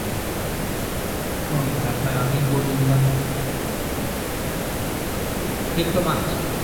Hmm hmm. O ie ma' mae angen bod yn yym diplomat